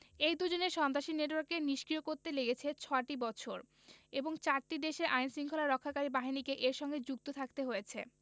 এই দুজনের সন্ত্রাসী নেটওয়ার্ককে নিষ্ক্রিয় করতে লেগেছে ছয়টি বছর এবং চারটি দেশের আইনশৃঙ্খলা রক্ষাকারী বাহিনীকে এর সঙ্গে যুক্ত থাকতে হয়েছে